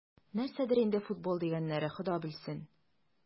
Нәрсәдер инде "футбол" дигәннәре, Хода белсен...